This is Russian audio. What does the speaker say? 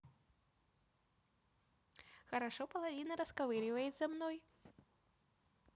хорошо половина расковыривает за мной